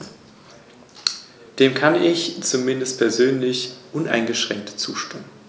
Lassen Sie mich das begründen.